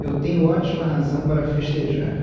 eu tenho ótima razão para festejar